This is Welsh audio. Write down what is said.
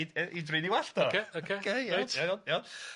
i yy i drin 'i wallt o. Ocê ocê. Ocê reit? Ia iawn iawn.